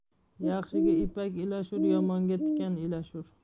yaxshiga ipak ilashur yomonga tikan ilashur